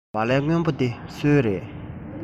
སྦ ལན སྔོན པོ འདི སུའི རེད